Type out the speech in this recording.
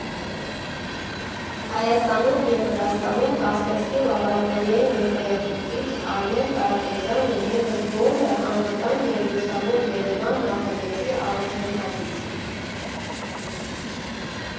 Հայաստանում և Վրաստանում «Կասպերսկի Լաբորատորիայի» ներկայացուցիչ Արմեն Կարապետյանը ևս գոհ է «Անվտանգ և լուսավոր Երևան» նախագծի առաջընթացից։